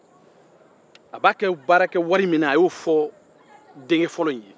a bɛ baara kɛ wari min na a y'o fɔ denkɛ fɔlɔ in ye